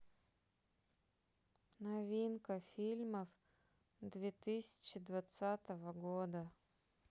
новинка фильмов две тысячи двадцатого года